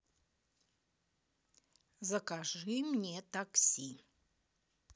закажи мне такси